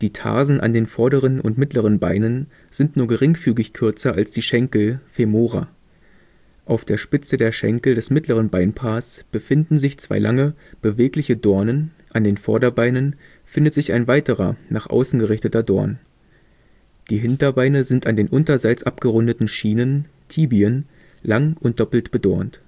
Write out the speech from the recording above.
Tarsen an den vorderen und mittleren Beinen sind nur geringfügig kürzer als die Schenkel (Femora). Auf der Spitze der Schenkel des mittleren Beinpaars befinden sich zwei lange, bewegliche Dornen, an den Vorderbeinen findet sich ein weiterer, nach außen gerichteter Dorn. Die Hinterbeine sind an den unterseits abgerundeten Schienen (Tibien) lang und doppelt bedornt